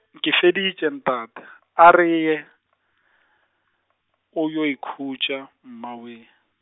ke feditše ntate , a re ye , o yo ikhutša Mmawee.